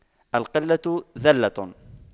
القلة ذلة